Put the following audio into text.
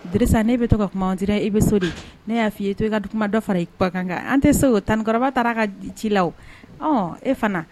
Disa ne bɛ to ka kumadi e bɛ so di ne y'a fɔ i e to i ka kuma dɔ fara i bakan an tɛ se o tan nikɔrɔba taara ka ci la e fana